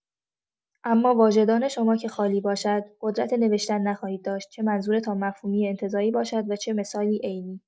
اما واژه‌دان شما که خالی باشد، قدرت نوشتن نخواهید داشت چه منظورتان مفهومی انتزاعی باشد و چه مثالی عینی!